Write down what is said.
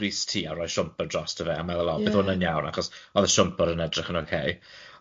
grys ti a roi siwmper drosto fe, a meddwl o, bydd hwn yn iawn, achos o'dd y siwmper yn edrych yn ocei.